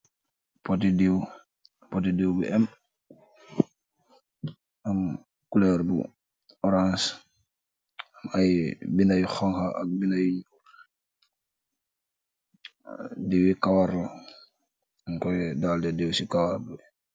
Poti diw, Poti diw bu em, am kulor bu orans, am ay binda yu xonxa ak diwi kawar ñu kooy dal di diw ci kawar.